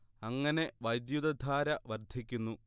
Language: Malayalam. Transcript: അങ്ങനെ വൈദ്യുതധാര വർദ്ധിക്കുന്നു